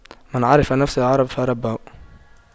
من عرف نفسه عرف ربه